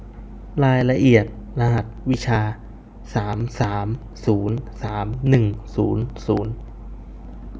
รายละเอียดรหัสวิชาสามสามศูนย์สามหนึ่งศูนย์ศูนย์